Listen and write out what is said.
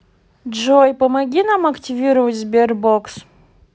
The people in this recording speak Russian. джой помоги нам активировать sberbox